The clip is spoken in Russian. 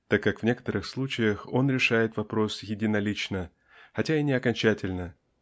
так как в некоторых случаях он решает вопрос единолично хотя и не окончательно